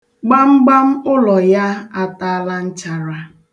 Gbamgbam ụlọ ya ataala nchara.